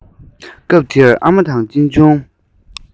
གསུམ པོ ལ སྐད ཆ ཚིག